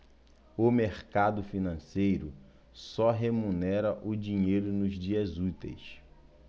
o mercado financeiro só remunera o dinheiro nos dias úteis